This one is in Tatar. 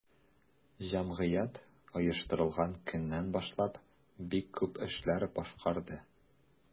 Җәмгыять оештырылган көннән башлап бик күп эшләр башкарды.